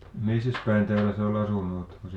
missäs päin täällä se oli asunut oletteko siitä